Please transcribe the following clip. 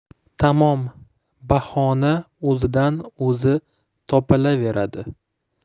tamom bahona o'zidan o'zi topilaveradi